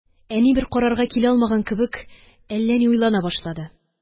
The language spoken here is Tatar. Әни, бер карарга килә алмаган кебек, әллә ни уйлана башлады